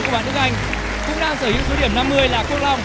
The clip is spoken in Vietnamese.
điểm năm mươi là quốc long